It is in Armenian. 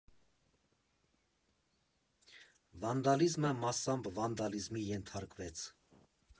Վանդալիզմը մասամբ վանդալիզմի ենթարկվեց.